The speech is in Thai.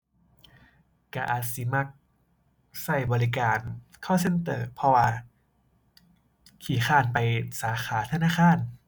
ก็อาจสิมัก ก็บริการ call center เพราะว่า ขี้คร้านไปสาขาธนาคาร